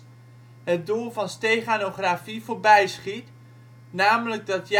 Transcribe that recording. doel van steganografie voorbijschiet: namelijk dat